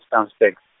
-stans- tek-.